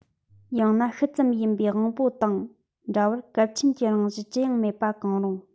ཡང ན ཤུལ ཙམ ཡིན པའི དབང པོ དང འདྲ བར གལ ཆེན གྱི རང བཞིན ཅི ཡང མེད པ གང རུང